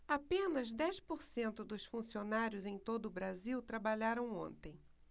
apenas dez por cento dos funcionários em todo brasil trabalharam ontem